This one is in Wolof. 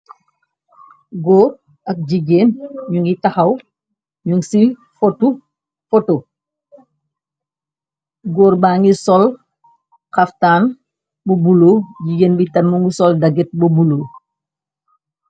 Góor ak jigéen ñu ngi taxaw ñu ci foto, góor ba ngi sol xaftaan bu bulo jigéen bi tenmu ngu sol daget bu bulo.